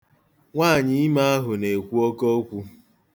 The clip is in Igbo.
Nwaanyịime ahụ na-ekwu oke okwu.